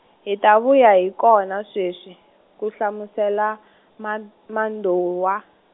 hi ta vuya hi kona sweswi , ku hlamusela , Mad- Madou wa.